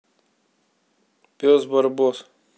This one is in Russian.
пес барбос